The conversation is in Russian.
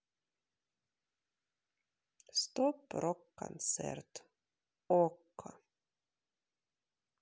стоп рок концерт окко